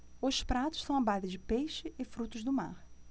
os pratos são à base de peixe e frutos do mar